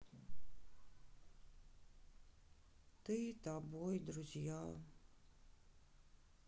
ты тобой друзья